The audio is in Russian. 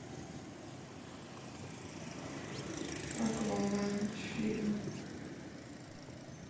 аквамен фильм